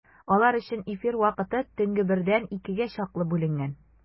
Алар өчен эфир вакыты төнге бердән икегә чаклы бүленгән.